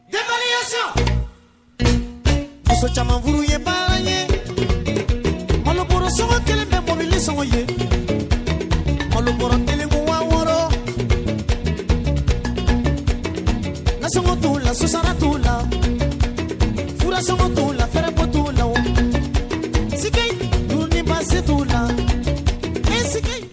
Caman ye baara ye kolonsɔn kelen bɛ nisɔn ye kolon kelenku wɔɔrɔ t'u la susan t'u la furusɔn t'u la fɛrɛɛrɛ t'u la s dunba se t'u la